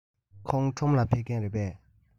ཁོང ཁྲོམ ལ ཕེབས མཁན རེད པས